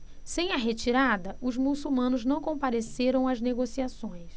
sem a retirada os muçulmanos não compareceram às negociações